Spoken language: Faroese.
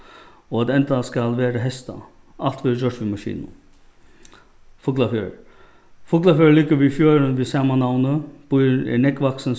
og at enda skal verða heystað alt verður gjørt við maskinum fuglafjørður fuglafjørður liggur við fjørðin við sama navni býurin er nógv vaksin